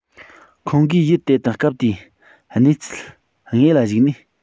ཁོང གིས ཡུལ དེ དང སྐབས དེའི གནས ཚུལ དངོས ལ གཞིགས ནས